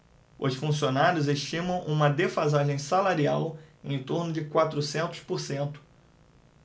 os funcionários estimam uma defasagem salarial em torno de quatrocentos por cento